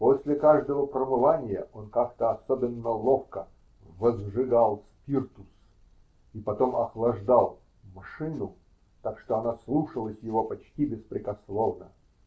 После каждого промывания он как то особенно ловко "возжигал спиртус" и потом охлаждал "машину", так что она слушалась его почти беспрекословно.